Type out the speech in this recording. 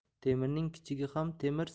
temirning kichigi ham temir